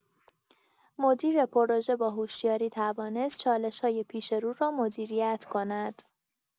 مدیر پروژه با هوشیاری توانست چالش‌های پیش‌رو را مدیریت کند.